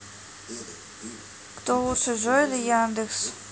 кто лучше джой или яндекс